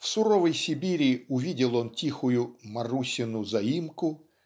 В суровой Сибири увидел он тихую "Марусину заимку"